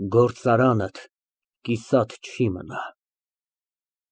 Գործարանդ կիսատ չի մնալ։